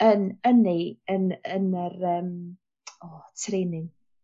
yn yn eu yn yn yr yym o training.